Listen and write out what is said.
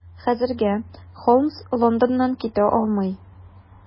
Хәзергә Холмс Лондоннан китә алмый.